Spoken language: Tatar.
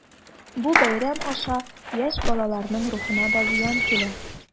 Бу бәйрәм аша яшь балаларның рухына да зыян килә.